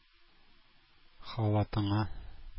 Халатыңа